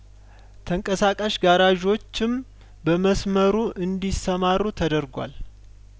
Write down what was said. ተንቀሳቃሽ ጋራዦችም በመስመሩ እንዲ ሰማሩ ተደርጓል